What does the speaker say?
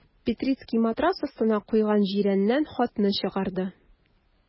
Петрицкий матрац астына куйган җирәннән хатны чыгарды.